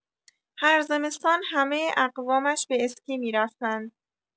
هر زمستان همه اقوامش به اسکی می‌رفتند.